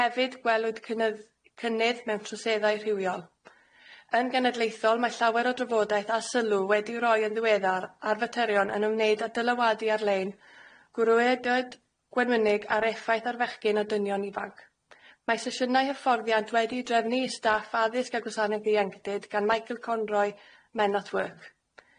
Hefyd, gwelwyd cynnydd mewn troseddau rhywiol. Yn genedlaethol mae llawer o drafodaeth a sylw wedi'i roi yn ddiweddar ar faterion yn ymwneud â dylywadu ar-lein, gwrywaidwyd gwenwynig ar effaith ar fechgyn a dynion ifanc. Mae sesiynau hyfforddiant wedi'u drefnu i staff addysg a gwasanaeth ieuenctid gan Michael Conroy, Men at Work.